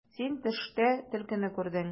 Син төштә төлкене күрдең.